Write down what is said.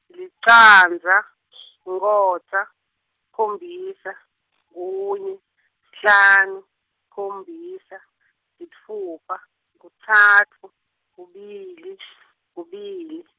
licandza , inkhotsa, sikhombisa , kunye, sihlanu, sikhombisa, sitfupha, kutsatfu, kubili , kubili.